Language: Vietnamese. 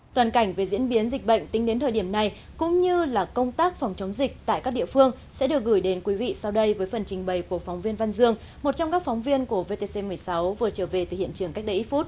toàn cảnh về diễn biến dịch bệnh tính đến thời điểm này cũng như là công tác phòng chống dịch tại các địa phương sẽ được gửi đến quý vị sau đây với phần trình bày của phóng viên văn dương một trong các phóng viên của vê tê xê mười sáu vừa trở về từ hiện trường cách đây ít phút